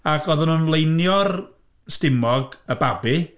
Ac oedden nhw'n leinio'r... stumog y babi...